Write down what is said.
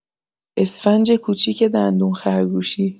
اسفنج کوچیک دندون خرگوشی